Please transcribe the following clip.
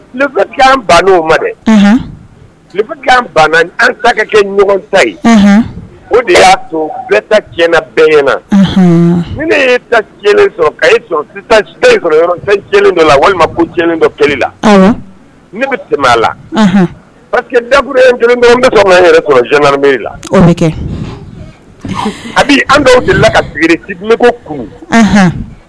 An o ma dɛ an ta kɛ ɲɔgɔn sa ye o de y'a to fita tiɲɛna bɛɛy na ne taɲɛn sɔrɔɲɛn dɔ la walima ko cɛn dɔ kelen la ne tɛmɛ la pasekekuru bɛ anbri la a bɛ an dɔw de la ka ko kun